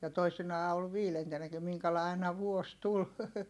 ja toisinaan oli viidentenäkin minkälainen aina vuosi tuli